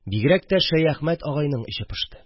Бигрәк тә Шәяхмәт агайның эче пошты